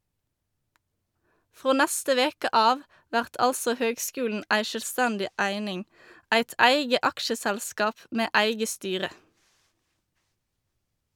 Frå neste veke av vert altså høgskulen ei sjølvstendig eining, eit eige aksjeselskap med eige styre.